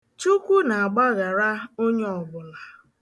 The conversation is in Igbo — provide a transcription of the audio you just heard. Chukwu na-agbaghara onye ọbụla.